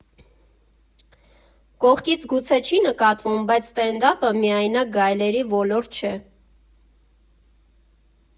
Կողքից գուցե չի նկատվում, բայց սթենդափը «միայնակ գայլերի» ոլորտ չէ։